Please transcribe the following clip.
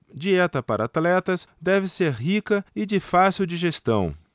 dieta para atletas deve ser rica e de fácil digestão